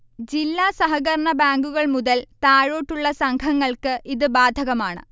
ജില്ലാ സഹകരണ ബാങ്കുകൾമുതൽ താഴോട്ടുള്ള സംഘങ്ങൾക്ക് ഇത് ബാധകമാണ്